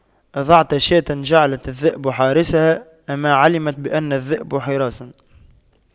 أضعت شاة جعلت الذئب حارسها أما علمت بأن الذئب حراس